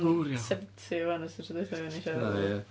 Fawr iawn... Seventy rŵan, ers y tro dwytha fuon ni'n siarad... O ia?